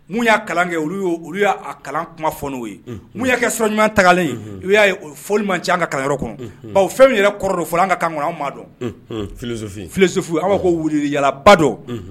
Y'a kalan kɛ y'a kalan kuma fɔ n'o ye y'a kɛ sɔrɔ talen u y'a fɔlima cɛ ka kalanyɔrɔ fɛn min yɛrɛ kɔrɔ fo an ka kan anw ma dɔnsusufu aw ko w yalalabadɔ